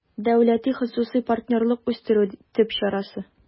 «дәүләти-хосусый партнерлыкны үстерү» төп чарасы